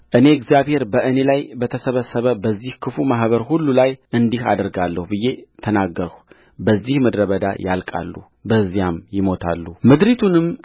እኔ እግዚአብሔር በእኔ ላይ በተሰበሰበ በዚህ ክፉ ማኅበር ሁሉ ላይ እንዲህ አደርጋለሁ ብዬ ተናገርሁ በዚህ ምድረ በዳ ያልቃሉ በዚያም ይሞታሉምድሪቱንም